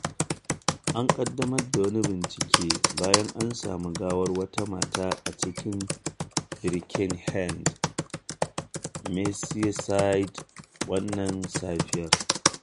An ƙaddamar da wani bincike bayan an sami gawar wata mata a cikin Birkenhead, Merseyside wannan safiyar.